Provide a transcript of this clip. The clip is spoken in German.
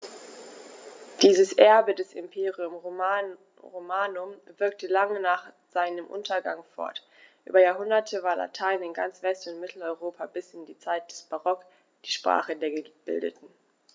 Dieses Erbe des Imperium Romanum wirkte lange nach seinem Untergang fort: Über Jahrhunderte war Latein in ganz West- und Mitteleuropa bis in die Zeit des Barock die Sprache der Gebildeten.